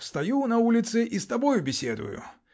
стою на улице и с тобой беседую